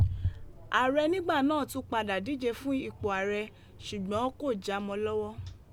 Aarẹ nigba naa tun pada dije fun ipo aarẹ, ṣugbọn ko ja mọ lọwọ.